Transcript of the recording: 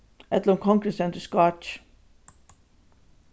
ella um kongurin stendur í skáki